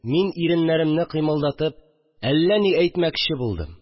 Мин иреннәремне кыймылдатып әллә ни әйтмәкче булдым